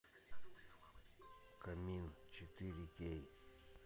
камин четыре кей